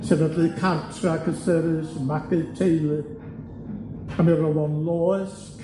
Sefydlu cartra cysurus, magu teulu, a mi ro'dd o'n loes